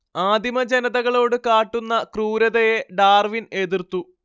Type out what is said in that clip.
ആദിമജനതകളോട് കാട്ടുന്ന ക്രൂരതയെ ഡാർവിൻ എതിർത്തു